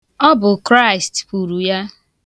Ọ bụ Kraịst kwuru ya.